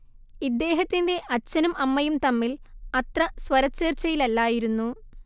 ഇദ്ദേഹത്തിന്റെ അച്ഛനും അമ്മയും തമ്മിൽ അത്ര സ്വരചേർച്ചയിലല്ലായിരുന്നു